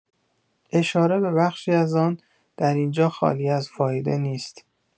اشاره به بخشی از آن در اینجا خالی از فائده نیست.